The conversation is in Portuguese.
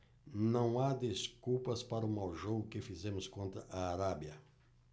não há desculpas para o mau jogo que fizemos contra a arábia